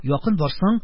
Якын барсаң,